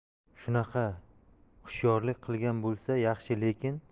shunaqa hushyorlik qilgan bo'lsa yaxshi lekin